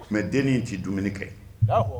Tun bɛ dennin tɛ dumuni kɛ